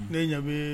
Ne ɲa